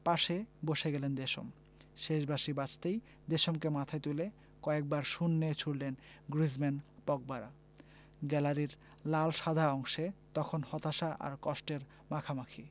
পাশে বসে গেলেন দেশম শেষ বাঁশি বাজতেই দেশমকে মাথায় তুলে কয়েকবার শূন্যে ছুড়লেন গ্রিজমান পগবারা গ্যালারির লাল সাদা অংশে তখন হতাশা আর কষ্টের মাখামাখি